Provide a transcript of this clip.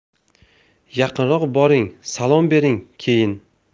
yaqinroq boring salom bering keyin